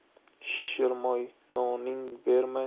shirmoy noningni berma